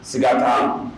Siga taa